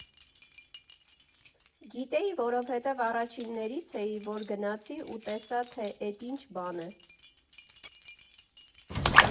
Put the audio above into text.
Գիտեի, որովհետև առաջիններից էի, որ գնացի ու տեսա թե էդ ինչ բան է։